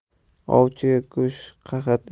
ovchiga go'sht qahat